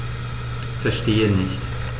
Verstehe nicht.